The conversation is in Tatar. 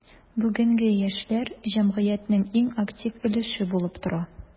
Бүгенге яшьләр – җәмгыятьнең иң актив өлеше булып тора.